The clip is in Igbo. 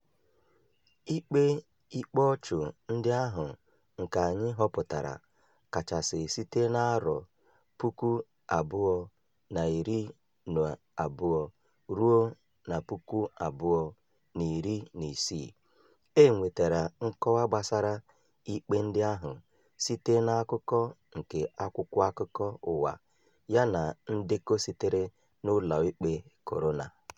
Ikpe igbu ọchụ ndị ahụ nke anyị họpụtara kachasị site na 2012 ruo 2016. E nwetara nkọwa gbasara ikpe ndị ahụ site n'akụkọ nke akwụkwọ akụkọ ụwa yana ndekọ sitere n'Ụlọikpe nke Korona.